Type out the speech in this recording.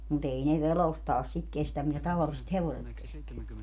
mutta ei ne vedostaan sitä kestä mitä tavalliset hevoset kestää